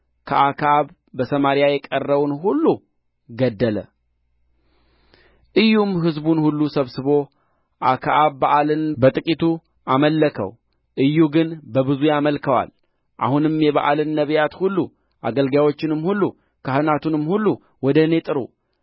ከአክዓብ በሰማርያ የቀረውን ሁሉ ገደለ ኢዩም ሕዝቡን ሁሉ ሰብስቦ አክዓብ በኣልን በጥቂቱ አመለከው ኢዩ ግን በብዙ ያመልከዋል አሁንም የባኣልን ነቢያት ሁሉ አገልጋዮቹንም ሁሉ ካህናቱንም ሁሉ ወደ እኔ ጥሩ